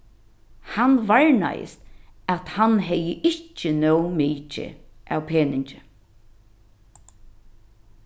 hann varnaðist at hann hevði ikki nóg mikið av peningi